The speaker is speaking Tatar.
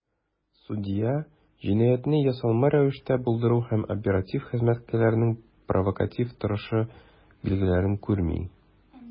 Судья "җинаятьне ясалма рәвештә булдыру" һәм "оператив хезмәткәрләрнең провокатив торышы" билгеләрен күрми.